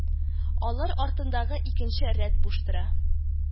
Алар артындагы икенче рәт буш тора